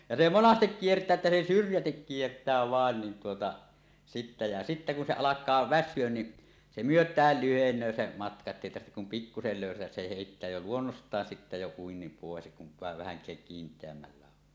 ja se monasti kiertää että se syrjäti kiertää vain niin tuota sitten ja sitten kun se alkaa väsyä niin se myötään lyhenee se matka että ei tarvitse kuin pikkuisen löysätä se heittää jo luonnostaan sitten jo uinnin pois kun vain vähänkään kiinteämmällä on